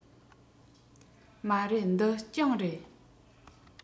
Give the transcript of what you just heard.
མ རེད འདི གྱང རེད